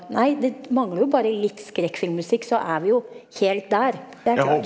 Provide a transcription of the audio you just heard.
nei det mangler jo bare litt skrekkfilmmusikk så er vi jo helt der det, det er klart.